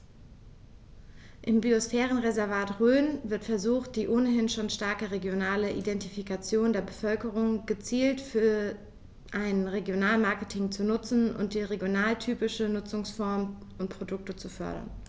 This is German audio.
Im Biosphärenreservat Rhön wird versucht, die ohnehin schon starke regionale Identifikation der Bevölkerung gezielt für ein Regionalmarketing zu nutzen und regionaltypische Nutzungsformen und Produkte zu fördern.